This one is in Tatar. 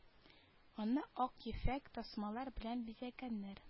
Аны ак ефәк тасмалар белән бизәгәннәр